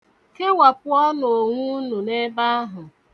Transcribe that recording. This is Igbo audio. Kewapụọnu onwe unu n'ebe ahụ.